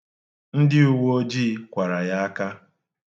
Ndị uweojii kwara ya aka.